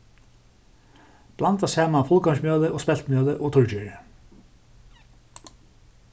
blanda saman fullkornsmjølið og speltmjølið og turrgerið